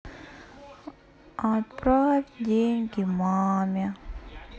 отправь деньги маме